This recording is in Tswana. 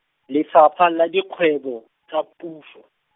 Lefapha la Dikgwebo, tsa Puso.